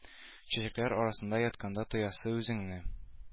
Чәчәкләр арасында яткандай тоясыө үзеөне